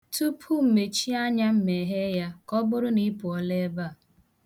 Tupu m mechie anya m meghe ya, ka ọ bụrụ na ị pụọla ebe a.